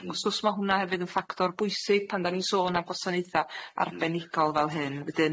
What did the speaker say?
Wrs gwrs ma' hwnna hefyd yn ffactor bwysig pan 'dan ni'n sôn am gwasanaetha' arbenigol fel hyn, wedyn